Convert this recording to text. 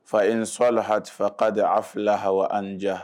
Fa ine sɔlahate fakade haflaha wa ane ja